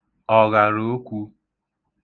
ọ̀ghàròokwū